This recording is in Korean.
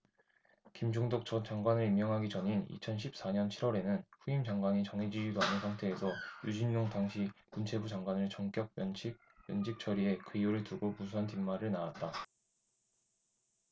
김종덕 전 장관을 임명하기 전인 이천 십 사 년 칠 월에는 후임 장관이 정해지지도 않은 상태에서 유진룡 당시 문체부 장관을 전격 면직 처리해 그 이유를 두고 무수한 뒷말을 낳았다